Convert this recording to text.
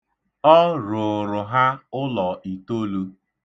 Ọ rụụrụ ha ụlọ itolu.